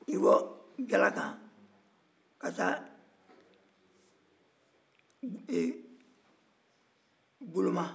i bɛ bɔ galakan ka taa goloma